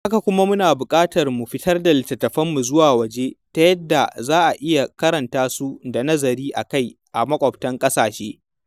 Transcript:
Haka kuma, muna buƙatar mu fitar da littattafanmu zuwa waje, ta yadda za a iya karanta su da nazari a kai a maƙwabtan ƙasashe.